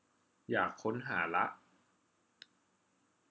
อยากค้นหาละ